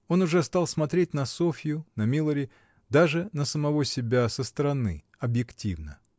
Он уже стал смотреть на Софью, на Милари, даже на самого себя со стороны, объективно.